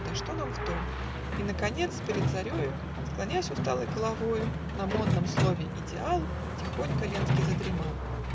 да что нам в том?) И наконец перед зарею, Склонясь усталой головою, На модном слове идеал Тихонько Ленский задремал